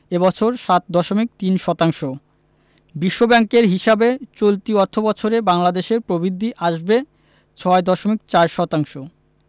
এ বছর ৭.৩ শতাংশ বিশ্বব্যাংকের হিসাবে চলতি অর্থবছরে বাংলাদেশের প্রবৃদ্ধি আসবে ৬.৪ শতাংশ